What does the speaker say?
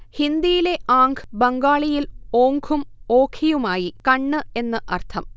ഹിന്ദിയിലെ ആംഖ് ബംഗാളിയിൽ ഓംഖും ഓഖിയുമായി കണ്ണ് എന്ന്അർത്ഥം